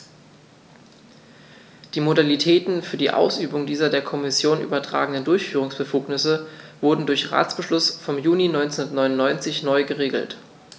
Die Modalitäten für die Ausübung dieser der Kommission übertragenen Durchführungsbefugnisse wurden durch Ratsbeschluss vom Juni 1999 neu geregelt.